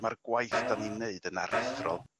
ma'r gwaith 'dan ni'n neud yn aruthrol,